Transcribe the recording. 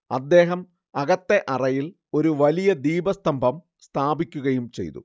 അദ്ദേഹം അകത്തെ അറയിൽ ഒരു വലിയ ദീപസ്തംഭം സ്ഥാപിക്കുകയും ചെയ്തു